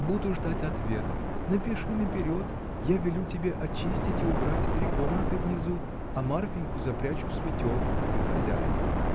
Буду ждать ответа: напиши наперед, я велю тебе очистить и убрать три комнаты внизу, а Марфиньку запрячу в светелку: ты хозяин!